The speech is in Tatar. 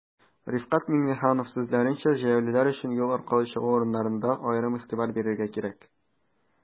Рифкать Миңнеханов сүзләренчә, җәяүлеләр өчен юл аркылы чыгу урыннарына аерым игътибар бирергә кирәк.